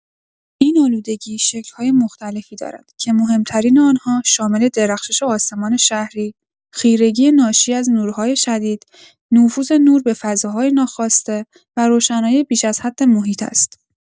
این آلودگی شکل‌های مختلفی دارد که مهم‌ترین آن‌ها شامل درخشش آسمان شهری، خیرگی ناشی از نورهای شدید، نفوذ نور به فضاهای ناخواسته و روشنایی بیش از حد محیط است.